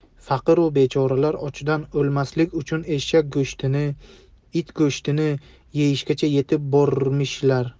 faqiru bechoralar ochdan o'lmaslik uchun eshak go'shtini it go'shtini yeyishgacha yetib bormishlar